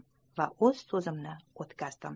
va o'z so'zimni o'tkazdim